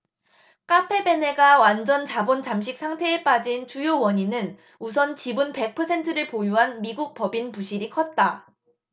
카페베네가 완전자본잠식 상태에 빠진 주요 원인은 우선 지분 백 퍼센트를 보유한 미국법인 부실이 컸다